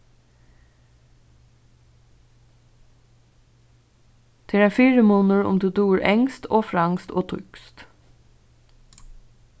tað er ein fyrimunur um tú dugir enskt og franskt og týskt